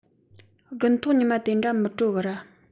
དགུན ཐོག ཉི མ དེ འདྲ མི དྲོ གི ར